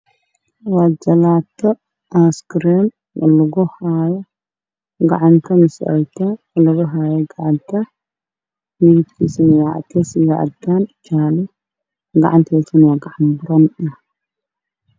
Waa jalaato ays kariim ah oo lagu haayo gacanta midabkiisana waa cadays iyo cadaan gacanta haydane waa gacan baroon ah.